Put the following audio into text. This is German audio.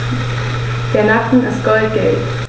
Der Nacken ist goldgelb.